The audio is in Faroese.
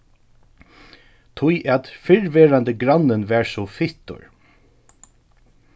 tí at fyrrverandi grannin var so fittur